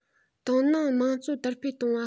ཏང ནང དམངས གཙོ དར སྤེལ གཏོང བ